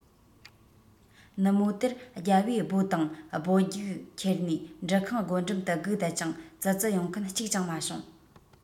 ནུབ མོ དེར རྒྱལ པོས སྦོ དང སྦོ རྒྱུགས ཁྱེར ནས འབྲུ ཁང སྒོ འགྲམ དུ སྒུག བསྡད ཀྱང ཙི ཙི ཡོང མཁན གཅིག ཀྱང མ བྱུང